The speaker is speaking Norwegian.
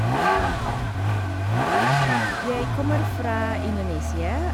Jeg kommer fra Indonesia.